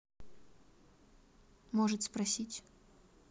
может спросить